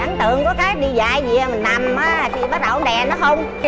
ấn tượng có cái đi dạy dìa mình nằm á thì bắt đầu nó đè nó hôn